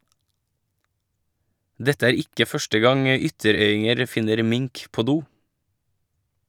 Dette er ikke første gang ytterøyinger finner mink på do